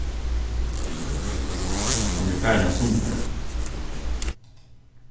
hann er farin av sundi